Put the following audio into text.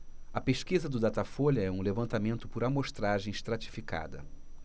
a pesquisa do datafolha é um levantamento por amostragem estratificada